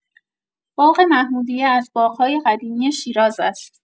باغ محمودیه از باغ‌های قدیمی شیراز است.